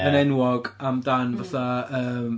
Yn enwog amdan fatha yym...